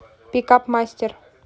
пикап мастер